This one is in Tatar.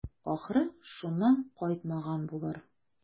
Ахры, шуннан кайтмаган булыр.